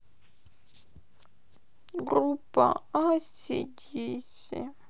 группа аси диси